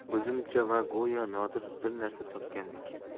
o'zimcha va go'yo nodir bir narsa topgandek